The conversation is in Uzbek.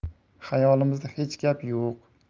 xayolimizda hech gap yo'q